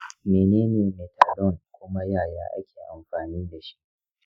menene methadone kuma yaya ake amfani da shi?